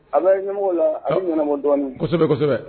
An bɛ ɲɛmɔgɔ la a ye ɲɛnaɛnɛma dɔɔnin